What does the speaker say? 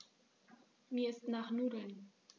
Mir ist nach Nudeln.